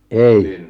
ei